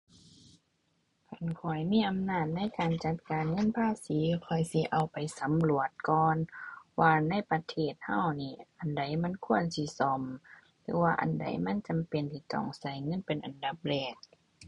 คันข้อยมีอำนาจในการจัดการเงินภาษี ข้อยสิเอาไปสำรวจก่อน ว่าในประเทศเรานี้ อันใดมันควรสิซ่อมหรือว่าอันใดมันจำเป็นที่ต้องเราเงินเป็นอันดับแรก